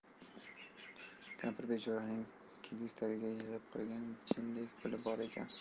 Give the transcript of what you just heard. kampir bechoraning kigiz tagiga yig'ib qo'ygan jindek puli bor ekan